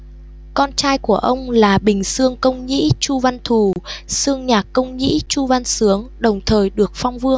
con trai của ông là bình xương công nhĩ chu văn thù xương nhạc công nhĩ chu văn sướng đồng thời được phong vương